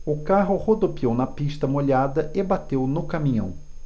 o carro rodopiou na pista molhada e bateu no caminhão